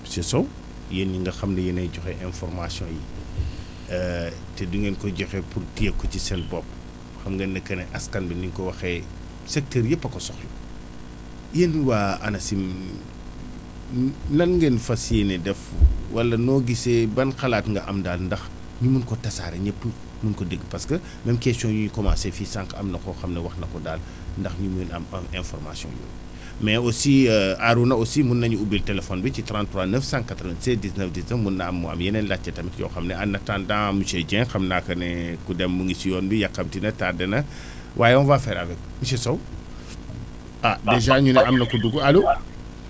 monsieur Sow yéen ñi nga xam ne yéenay joxe information yi te du ngeen ko joxe pour téye ko ci seen bopp xam ngeen ne que ne askan wi ni nga ko waxee secteur yëpp a ko soxla yéen waa waa ANACIM nan ngeen fas yéene def wala noo gisee ban xalat nga am daal ndax ñu mën ko tasaare ñëpp mun ko dégg parce que même question yi ñu commencé fii sànq am na koo xam ne wax na ko daal ndax ñun mun nañu am information yooyu mais aussi Arouna aussi mun nañu ubbil téléphone bi ci 33 996 19 19 mun naa am mu am yeneen laajte tamit yoo xam ne en attendant monsieur Dieng xam naa que ne ku dem mu ngi si yoon bi yàkkamti na tardé na waaye on va faire avec monsieur Sow ah dèjà ñu ne am na ku dugg allo